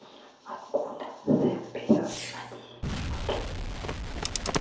откуда the вперед на десять минут